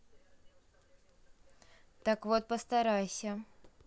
так вот постарайся